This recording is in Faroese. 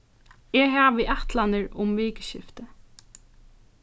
eg havi ætlanir um vikuskiftið